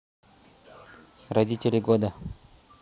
родители года